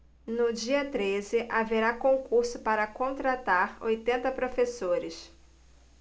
no dia treze haverá concurso para contratar oitenta professores